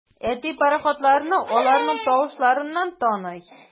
Әти пароходларны аларның тавышларыннан таный.